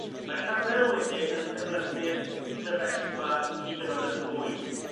mae'r rhyfel wedyn yn cymlethu'r sefyllfa hyd yn o'd yn fwy